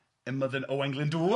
ymyddin Owain Glyndŵr.